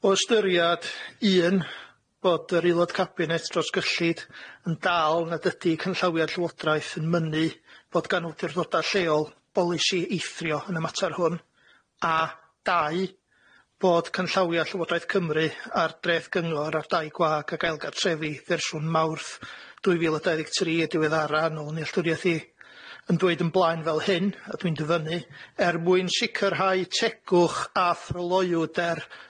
O ystyriad un, bod yr Aelod Cabinet dros gyllid yn dal nad ydi cynllawia'r Llywodraeth yn mynnu fod gan awdurdoda lleol bolisi eithrio yn y mater hwn, a dau, bod cynllawia Llywodraeth Cymru ar dreth gyngor ar dai gwag ag ail gartrefi fersiwn Mawrth dwy fil a dau ddeg tri y diweddara nôl nealltwriaeth i, yn dweud yn blaen fel hyn, ydw i'n dyfynnu, er mwyn sicrhau tegwch a thryloywder